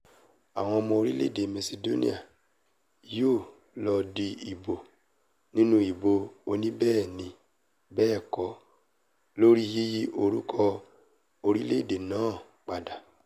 Àwọn ọmọ orílẹ̀-èdè Masidóníà yóò lọ di ìbò nínú ìbò oníbẹẹni-bẹẹkọ lóri yíyí orúkọ orílẹ̀-èdè náà padà.